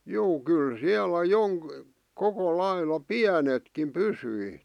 juu kyllä siellä - koko lailla pienetkin pysyi